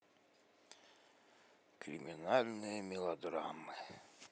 криминальные мелодрамы